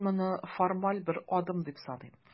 Мин моны формаль бер адым дип саныйм.